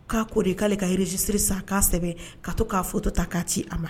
K'a ko de k'ale ka registre san k'a sɛbɛn a k'a photo ta k'a ci a ma